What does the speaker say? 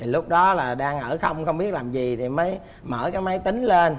thì lúc đó là đang ở không biết làm gì thì mới mở cái máy tính lên